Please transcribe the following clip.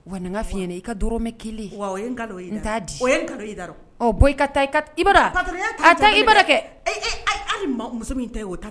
Wa nka fiɲɛna i ka d mɛn kelen wa ye ye n di ka taa i kɛ ayi muso min ta y'o ta